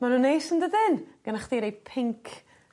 Ma' n'w neis yndydin? Gannoch chdi rai pinc